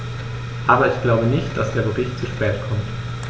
Aber ich glaube nicht, dass der Bericht zu spät kommt.